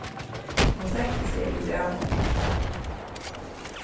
hon setti seg yvir av honum